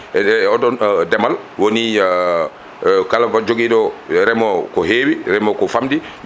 e nder oɗon ndeemal woni kala mon joguiɗo reemowo ko hewi reemow ko famɗi